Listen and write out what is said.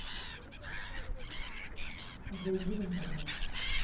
зайди в интернет